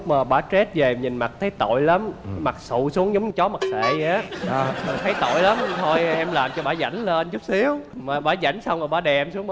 mà bà két về nhìn mặt thấy tội lắm mặt xụ xuống giống như chó mặt xệ vậy á thấy tội lắm thôi em làm cho bả rảnh lên chút xíu mà bà rảnh xong bả đè em xuống